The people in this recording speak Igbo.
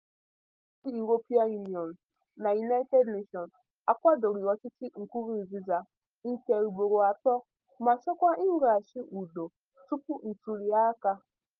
Òtù ndị European Union na United Nations akwadoghị ọchịchị Nkurunziza nke ugboro atọ, ma chọkwa mweghachi udo tupu ntuliaka.